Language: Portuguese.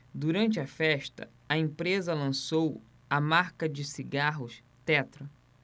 durante a festa a empresa lançou a marca de cigarros tetra